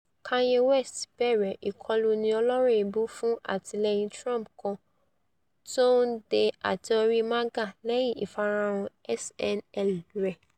Kanye West Bẹ̀rẹ̀ Ìkọluni Ọlọ́rọ̀ Èébú fún Àtilẹ́yìn-Trump kan, tó ńdé Ate-ori MAGA, Lẹ́yìn Ìfarahàn SNL rẹ̀.